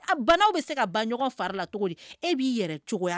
Bɛ se ka ba ɲɔgɔn fara la cogo di e b'i yɛrɛ